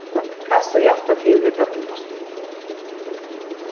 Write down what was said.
kanst tú hjálpa til við børnunum